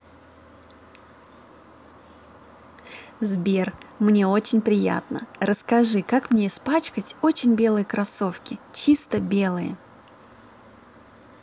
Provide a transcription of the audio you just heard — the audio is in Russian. сбер мне очень приятно расскажи как мне испачкать очень белые кроссовки чисто белые